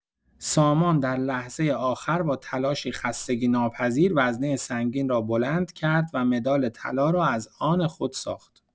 سامان در لحظه آخر، با تلاشی خستگی‌ناپذیر وزنه سنگین را بلند کرد و مدال طلا را از آن خود ساخت.